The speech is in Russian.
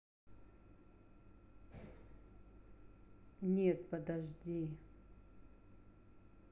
нет подожди